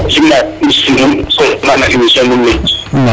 simna content na no emission ne nuun,